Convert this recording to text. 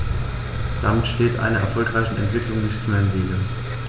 Damit steht einer erfolgreichen Entwicklung nichts mehr im Wege.